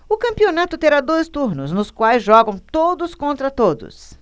o campeonato terá dois turnos nos quais jogam todos contra todos